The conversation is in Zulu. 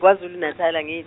kwaZulu Natal .